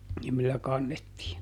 niin millä kannettiin